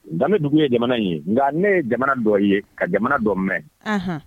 Dande dugu ye jamana ye nka ne ye jamana dɔ ye ka jamana dɔ mɛn, anhan